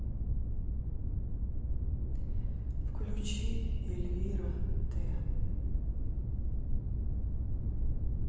включи эльвира т